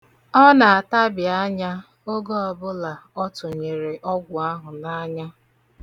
Ọ na-atabi anya oge ọbụla ọ tụnyere ọgwụ ahụ n'anya.